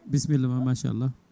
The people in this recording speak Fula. bisimilla ma mahalla